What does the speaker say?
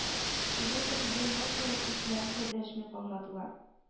Әлбәттә түбән новгород кешеләре дә дәшми калмадылар